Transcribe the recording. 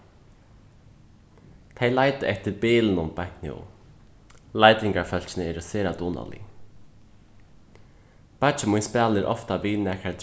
tey leita eftir bilinum beint nú leitingarfólkini eru sera dugnalig beiggi mín spælir ofta við nakrar